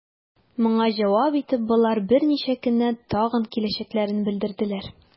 Моңа җавап итеп, болар берничә көннән тагын киләчәкләрен белдерделәр.